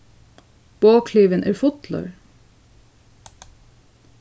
boðklivin er fullur